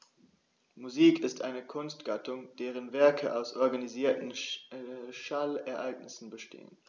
Musik ist eine Kunstgattung, deren Werke aus organisierten Schallereignissen bestehen.